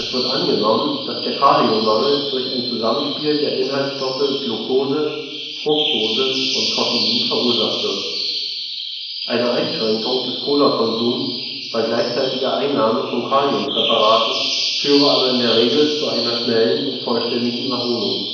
wird angenommen, dass der Kaliummangel durch ein Zusammenspiel der Inhaltsstoffe Glukose, Fructose und Koffein verursacht wird. Eine Einschränkung des Cola-Konsums bei gleichzeitiger Einnahme von Kalium-Präparaten führe aber in der Regel zu einer schnellen und vollständigen Erholung